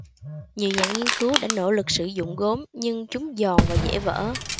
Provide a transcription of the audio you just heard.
nhiều nhà nghiên cứu đã nỗ lực sử dụng gốm nhưng chúng giòn và dễ vỡ